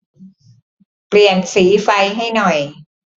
เปลี่ยนสีไฟให้หน่อย